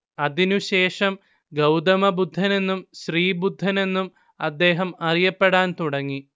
അതിനുശേഷം ഗൗതമബുദ്ധൻ എന്നും ശ്രീബുദ്ധൻ എന്നും അദ്ദേഹം അറിയപ്പെടാൻ തുടങ്ങി